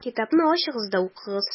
Китапны ачыгыз да укыгыз: